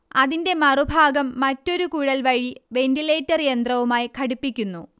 അതിന്റെ മറുഭാഗം മറ്റൊരു കുഴൽ വഴി വെന്റിലേറ്റർ യന്ത്രവുമായ് ഘടിപ്പിക്കുന്നു